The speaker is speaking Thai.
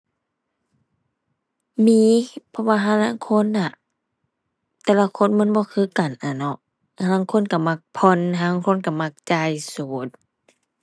มี เพราะว่าห่าลางคนน่ะ แต่ละคนมันบ่คือกันอะเนาะ ห่าลางคนก็มักผ่อน ห่าลางคนก็มักจ่ายสด